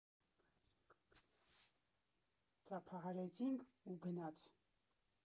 Ծափահարեցինք, ու գնաց։